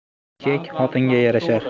kek xotinga yarashar